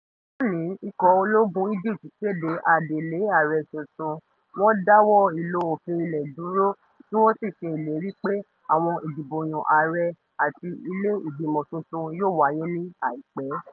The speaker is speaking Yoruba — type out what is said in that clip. Lónìí, ikọ̀ ológun Egypt kéde adele ààrẹ tuntun, wọ́n dáwọ́ ìlò òfin ilẹ̀ dúró tí wọ́n sì ṣe ìlérí pé àwọn ìdìbòyàn ààrẹ àti ilé-ìgbìmọ̀ tuntun yóò wáyé ní àìpẹ́.